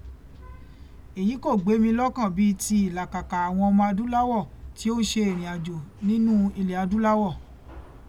Èyí kò gbé mi lọ́kàn bíi ti ìlàkàkà àwọn ọmọ adúláwọ̀ tí ó ń ṣe ìrìnàjò nínúu ilẹ̀ adúláwọ̀.